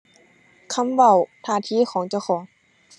คำเว้า ท่าทีของเจ้าของ